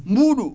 mbuɗu